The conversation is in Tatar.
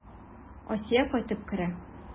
Асия кайтып керә.